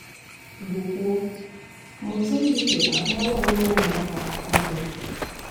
Gụkwuo: Mozambique akpọọla ọlụlụ ụmụaka mpụ